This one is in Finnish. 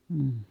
mm